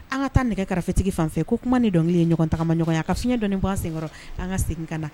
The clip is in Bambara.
An ka taa nɛgɛ karafetigi fan fɛ . No kuma ni dɔnkili ye ɲɔgɔntaama ɲɔgɔnye a ka fiɲɛ dɔɔnin bɔ an senkɔrɔ an ka segin ka na.